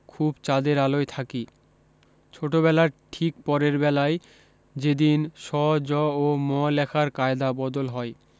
খুব চাঁদের আলোয় থাকি ছোটোবেলার ঠিক পরের বেলায় যেদিন স জ ও ম লেখার কায়দা বদল হয়